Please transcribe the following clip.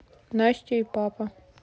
настя и папа